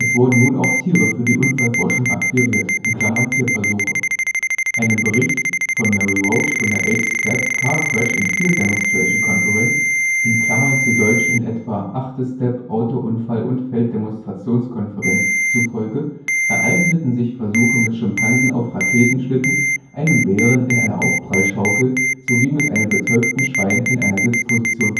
wurden nun auch Tiere für die Unfallforschung akquiriert (Tierversuche). Einem Bericht von Mary Roach von der Eighth Stapp Car Crash and Field Demonstration Conference (zu deutsch in etwa: Achte Stapp Autounfall - und Feld - Demonstrations Konferenz) zufolge ereigneten sich Versuche mit Schimpansen auf Raketenschlitten, einem Bären in einer Aufprall-Schaukel sowie mit einem betäubten Schwein in einer Sitzposition